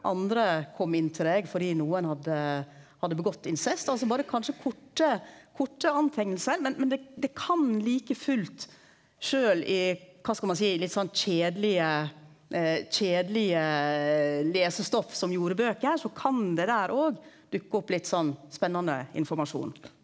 andre kom inn til deg fordi nokon hadde hadde gjort incest altså berre kanskje korte korte merknadar, men men det det kan like fullt sjølv i kva skal ein seie litt sånn kjedelege kjedelege lesestoff som jordebøker så kan det der òg dukke opp litt sånn spennande informasjon.